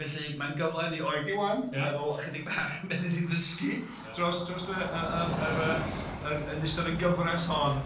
Felly, mae'n gyfle i ni oedi 'wan, efo chydig bach o be dan ni 'di ddysgu dros, drost, yy, yy, yr yy yn yn ystod y gyfres hon.